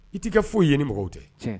I tɛ' ka foyi ye ni mɔgɔw tɛ